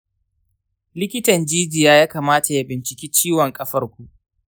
likitan jijiya ya kamata ya binciki ciwon ƙafar ku.